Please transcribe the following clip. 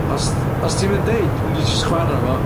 ...os os ti'm yn deud, dwi mynd i jyst chwara fo.